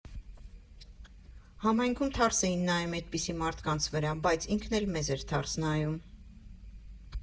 Համայնքում թարս էին նայում էդպիսի մարդկանց վրա, բայց ինքն էլ մեզ էր թարս նայում։